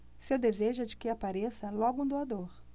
seu desejo é de que apareça logo um doador